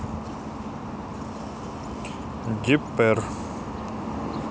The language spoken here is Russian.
deeper